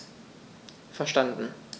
Verstanden.